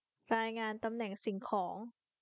รายงานตำแหน่งสิ่งของ